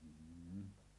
mm